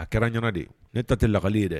A kɛra ɲ de ne ta tɛ lagali ye dɛ